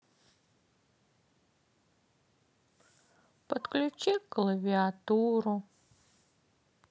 подключи клавиатуру